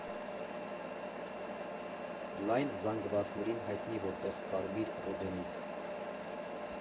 Լայն զանգվածներին հայտնի որպես Կարմիր Ռուբենիկ։